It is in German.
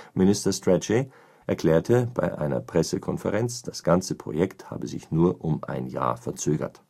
Minister Strachey erklärte bei einer Pressekonferenz, das ganze Projekt habe sich nur um ein Jahr verzögert